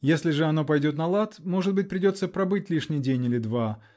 если же оно пойдет на лад -- может быть, придется пробыть лишний день или два.